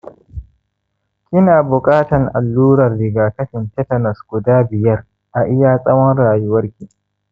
kina buƙatan allurar rigakafin tetanus guda biyar a iya tsawon rayuwarki